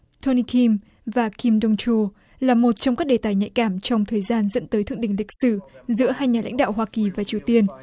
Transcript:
tô ni kim và kim đông chu là một trong các đề tài nhạy cảm trong thời gian dẫn tới thượng đỉnh lịch sử giữa hai nhà lãnh đạo hoa kỳ và triều tiên